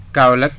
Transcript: kaolack